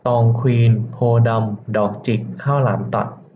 ตองควีนโพธิ์ดำดอกจิกข้าวหลามตัด